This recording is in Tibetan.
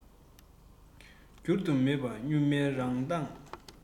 བསྒྱུར དུ མེད པ སྒྱུ མའི རང མདངས